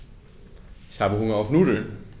Ich habe Hunger auf Nudeln.